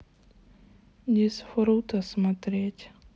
дисфруто смотреть